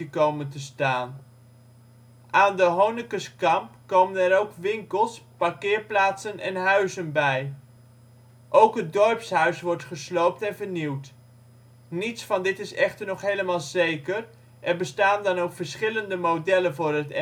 komen te staan. Aan de Honekeskamp komen er ook winkels, parkeerplaatsen en huizen bij. Ook het dorpshuis wordt gesloopt en vernieuwd. Niets van dit is echter nog helemaal zeker, er bestaan dan ook verschillende modellen voor het